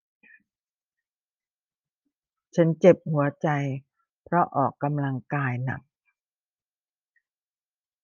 ฉันเจ็บหัวใจเพราะออกกำลังกายหนัก